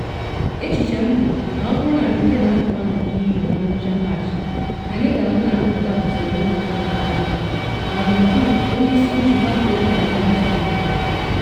“Echiche m bụ na ọ bụrụ na Britain apụọ na EU na ngwucha Maachị, anyị ga-ahụ na nrụpụta kwụsịrị n’ụlọ nrụpụta anyị” Marvin Cooke onye isi njikwa Toyota na Burnaston kwuru.